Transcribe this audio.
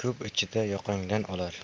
ko'p ichida yoqangdan olar